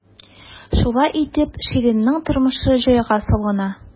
Шулай итеп, Ширинның тормышы җайга салына.